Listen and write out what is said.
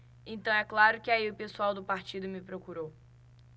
então é claro que aí o pessoal do partido me procurou